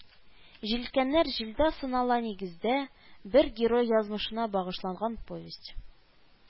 Җилкәннәр җилдә сынала нигездә, бер герой язмышына багышланган повесть